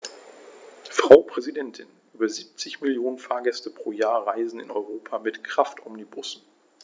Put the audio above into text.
Frau Präsidentin, über 70 Millionen Fahrgäste pro Jahr reisen in Europa mit Kraftomnibussen.